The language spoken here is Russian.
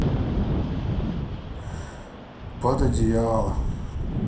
под одеяло